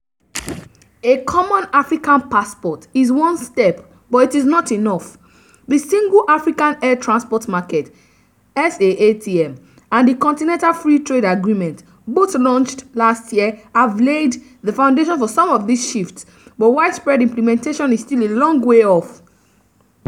A common African passport is one step — but it's not enough. The Single African Air Transport market (SAATM), and the Continental Free Trade Agreement, both launched last year, have laid the foundation for some of these shifts, but widespread implementation is still a long way off.